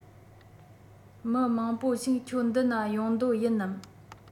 མི མང པོ ཞིག ཁྱོད འདི ན ཡོང འདོད ཡིན ནམ